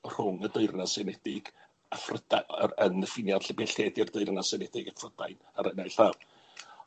rhwng y Deyrnas Unedig a Phryda- yy yn y ffinia' lle by' lle 'di'r Deyrnas Unedig a Prydain .